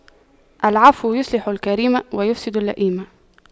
العفو يصلح الكريم ويفسد اللئيم